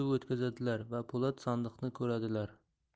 o'tkazadilar va po'lat sandiqni ko'radilar